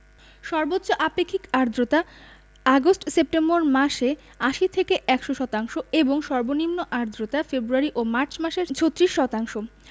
সর্বোচ্চ আপেক্ষিক আর্দ্রতা আগস্ট সেপ্টেম্বর মাসে ৮০ থেকে ১০০ শতাংশ এবং সর্বনিম্ন আর্দ্রতা ফেব্রুয়ারি ও মার্চ মাসে ৩৬ শতাংশ